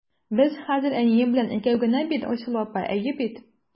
Без хәзер әнием белән икәү генә бит, Айсылу апа, әйе бит?